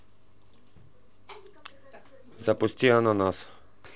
запусти ананас